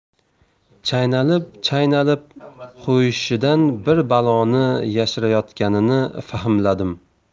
chaynalib chaynalib qo'yishidan bir baloni yashirayotganini fahmladim